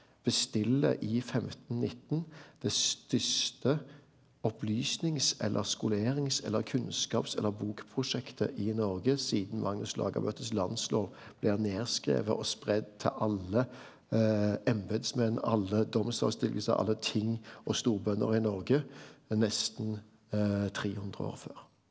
bestiller i 1519 det største opplysnings- eller skolerings- eller kunnskaps- eller bokprosjektet i Noreg sidan Magnus Lagabøtes landslov blir nedskrive og spreidd til alle embetsmenn alle domsavseiingar alle ting og storbønder i Noreg nesten 300 år før.